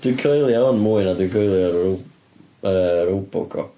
Dwi'n coelio hwn mwy na dwi'n coelio y ro- yy Robocop.